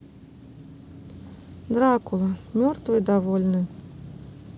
дракула мертвые довольны